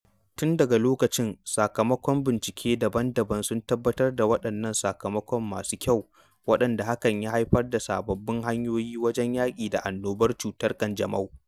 Tun daga lokacin, sakamakon bincike daban-daban sun tabbatar da waɗannan sakamakon masu kyau, wanda hakan ya haifar da sabbin hanyoyi wajen yaƙi da annobar cutar ƙanjamau.